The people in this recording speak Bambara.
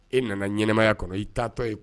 E nana ɲɛnɛmaya kɔnɔ i taatɔ ye